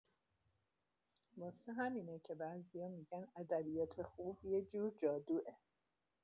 واسه همینه که بعضیا می‌گن ادبیات خوب یه جور جادوئه.